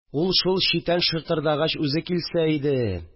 Ул, шул читән шытырдагач, үзе килсә иде